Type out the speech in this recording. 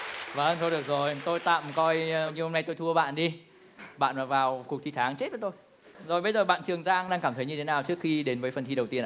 vầng thôi được rồi tôi tạm coi như hôm nay tôi thua bạn đi bạn mà vào cuộc thi tháng chết với tôi rồi bây giờ bạn trường giang đang cảm thấy như thế nào trước khi đến với phần thi đầu tiên ạ